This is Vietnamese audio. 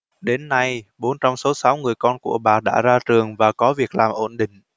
đến nay bốn trong số sáu người con của bà đã ra trường và có việc làm ổn định